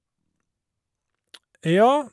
Ja.